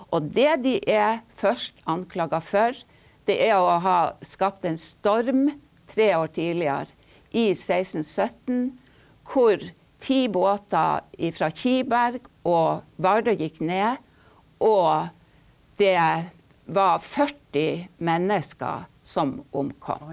og det de er først anklaga for, det er å ha skapt en storm tre år tidligere i 1617 hvor ti båter ifra Kiberg og Vardø gikk ned, og det var 40 mennesker som omkom.